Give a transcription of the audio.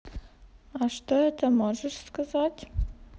а что это можешь сказать